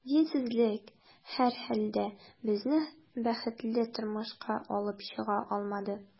Динсезлек, һәрхәлдә, безне бәхетле тормышка алып чыга алмады.